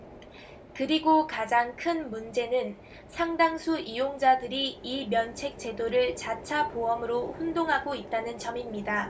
그리고 가장 큰 문제는 상당수 이용자들이 이 면책제도를 자차보험으로 혼동하고 있다는 점입니다